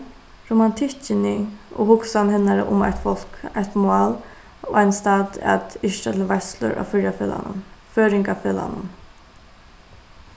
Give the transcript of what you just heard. og hugsan hennara um eitt fólk eitt mál og ein stat at yrkja til veitslur á føroyafelagnum føroyingafelagnum